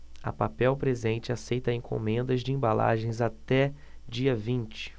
a papel presente aceita encomendas de embalagens até dia vinte